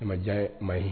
Jamajan ma ye